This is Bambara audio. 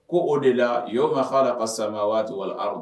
Ko o de la y'o maha ka saya waati